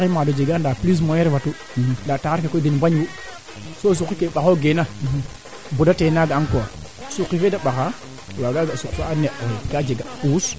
manaam maak we a ndeeto ga ye a joor leeke de ten jeg'u ndiing fagun n faak manaam oxu duuf ina no joor le fagun faak jeg';a ndiing oxu duuf ina no